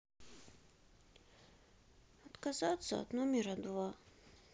отказаться от номера два